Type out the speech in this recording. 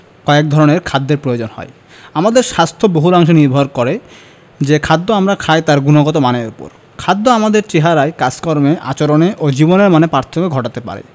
কয়েক ধরনের খাদ্যের প্রয়োজন হয় আমাদের স্বাস্থ্য বহুলাংশে নির্ভর করে যে খাদ্য আমরা খাই তার গুণগত মানের ওপর খাদ্য আমাদের চেহারায় কাজকর্মে আচরণে ও জীবনের মানে পার্থক্য ঘটাতে পারে